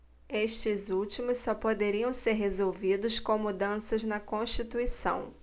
estes últimos só podem ser resolvidos com mudanças na constituição